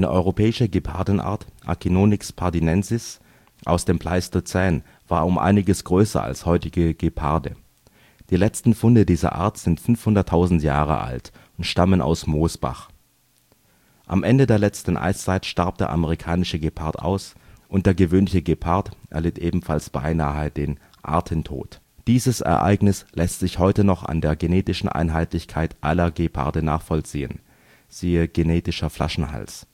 europäische Gepardenart (Acinonyx pardinensis) aus dem Pleistozän war um einiges größer als heutige Geparde. Die letzten Funde dieser Art sind 500.000 Jahre alt und stammen aus Mosbach. Am Ende der letzten Eiszeit starb der Amerikanische Gepard aus und der gewöhnliche Gepard erlitt ebenfalls beinahe den Artentod; dieses Ereignis lässt sich heute noch an der genetischen Einheitlichkeit aller Geparde nachvollziehen (siehe Genetischer Flaschenhals